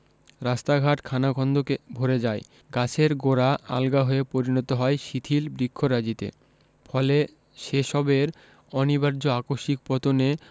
রাস্তাঘাট খানাখন্দকে ভরে যায় গাছের গোড়া আলগা হয়ে পরিণত হয় শিথিল বৃক্ষরাজিতে ফলে সে সবের অনিবার্য আকস্মিক পতনে